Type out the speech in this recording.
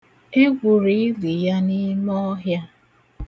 E gwuru ili ya n'ime ọhịa.